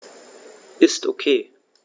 Ist OK.